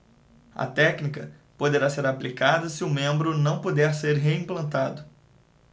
a técnica poderá ser aplicada se o membro não puder ser reimplantado